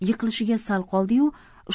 yiqilishiga sal qoldi yu